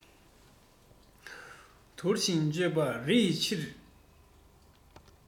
བུར ཤིང གཅོད པ རི ཡི ཕྱིར